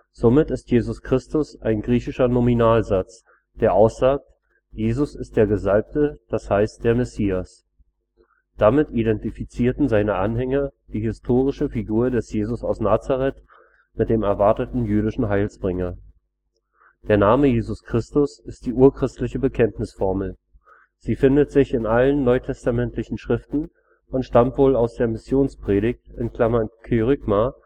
Somit ist Jesus Christus ein griechischer Nominalsatz, der aussagt: Jesus ist der Gesalbte, das heißt, der Messias. Damit identifizierten seine Anhänger die historische Figur des Jesu aus Nazaret mit dem erwarteten jüdischen Heilsbringer. Der Name Jesus Christus ist die urchristliche Bekenntnisformel. Sie findet sich in allen NT-Schriften und stammt wohl aus der Missionspredigt (Kerygma